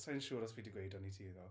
Sa i'n siŵr os fi 'di gweud hwn i ti ddo.